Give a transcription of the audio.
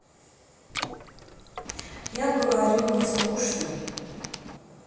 я говорю мне скучно